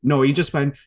No, he just went...